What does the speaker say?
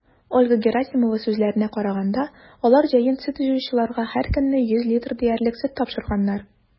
Ольга Герасимова сүзләренә караганда, алар җәен сөт җыючыларга һәркөнне 100 литр диярлек сөт тапшырганнар.